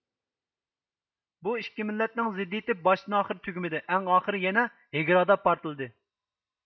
بۇ ئىككى مىللەتنىڭ زىددىيىتى باشتىن ئاخىر تۈگىمىدى ئەڭ ئاخىرى يەنە ھېگرادا پارتلىدى